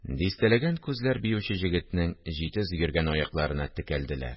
Дистәләгән күзләр биюче җегетнең җитез йөргән аякларына текәлделәр